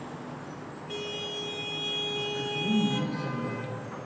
расскажи мне загадку